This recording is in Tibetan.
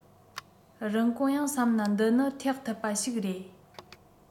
རིན གོང ཡང བསམ ན འདི ནི ཐེག ཐུབ པ ཞིག རེད